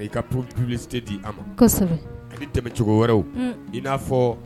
Dɛmɛ wɛrɛw fɔ